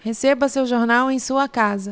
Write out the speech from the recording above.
receba seu jornal em sua casa